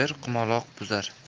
bir qumaloq buzar